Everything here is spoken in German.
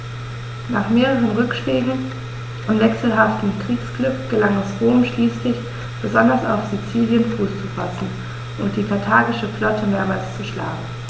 Nach mehreren Rückschlägen und wechselhaftem Kriegsglück gelang es Rom schließlich, besonders auf Sizilien Fuß zu fassen und die karthagische Flotte mehrmals zu schlagen.